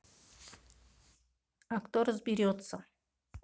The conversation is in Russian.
а кто разберется